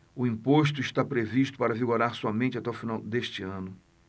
o imposto está previsto para vigorar somente até o final deste ano